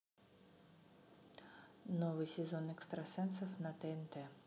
новый сезон экстрасенсов на тнт